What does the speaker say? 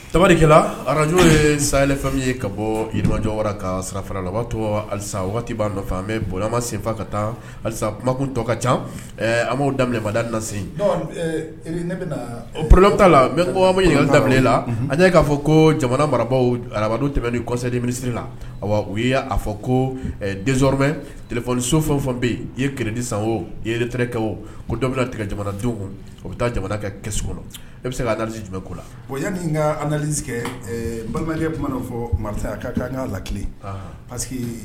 Tarikɛla arajo ye saya fɛn ye ka bɔ yirijɔ wara ka sirara la b'atɔ to alisa waati b'a nɔfɛ an bɛ bonyama senfa ka tan alisa kuma tɔ ka ca an b'o daminɛbada lase ne poro' la mɛ ɲininka daminɛ la a k'a fɔ ko jamana marabaw ararabadu tɛmɛn ni kɔsadi minisiriri la u a fɔ ko demɛoniso fɛn fɛn bɛ yen ye kelendi san o irekɛ o ko dɔ tigɛ jamanadenw o bɛ taa jamana kɛ kɛso kɔnɔ e bɛ se ka'si jumɛnbe ko la bon yan ka bamanankɛ tun fɔ ka an ka laki parce